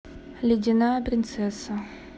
ледяная принцесса